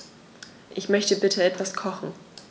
Ich möchte bitte etwas kochen.